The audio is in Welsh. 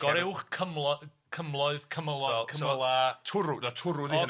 Goruwch cymlo- cymloedd cymylon cymyla... So so twrw na twrw ydy hynna.